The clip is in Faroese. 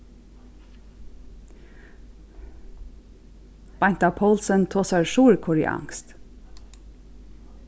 beinta poulsen tosar suðurkoreanskt